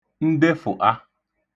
ndefụ̀ṫa